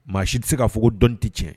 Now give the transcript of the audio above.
Maa si ti se k'a fɔ ko dɔnni ti cɛn ye